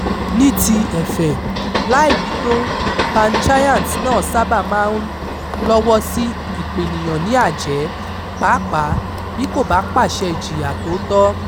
Ní ti ẹ̀fẹ̀, láì wí tó, panchayat náà sábà máa ń lọ́wọ́ sí ìpènìyàn ní àjẹ́ pàápàá bí kò bá pàṣẹ ìjìyà t'ó tọ́.